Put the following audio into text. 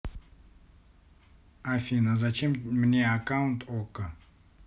афина зачем мне аккаунт okko